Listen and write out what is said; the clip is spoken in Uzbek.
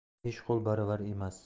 besh qo'l baravar emas